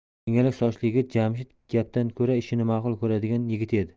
jingalak sochli yigit jamshid gapdan ko'ra ishni ma'qul ko'radigan yigit edi